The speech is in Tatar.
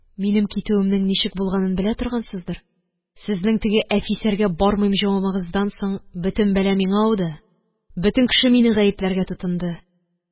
– минем китүемнең ничек булганын белә торгансыз, сезнең теге әфисәргә «бармыйм» җавабыңыздан соң бөтен бәла миңа ауды. бөтен кеше мине гаепләргә тотынды.